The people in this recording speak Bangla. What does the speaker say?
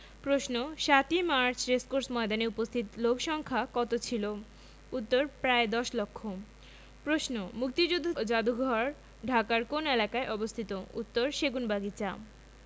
প্রশ্ন ৭ই মার্চ রেসকোর্স ময়দানে উপস্থিত লোকসংক্ষা কত ছিলো উত্তর প্রায় দশ লক্ষ প্রশ্ন মুক্তিযুদ্ধ যাদুঘর ঢাকার কোন এলাকায় অবস্থিত উত্তরঃ সেগুনবাগিচা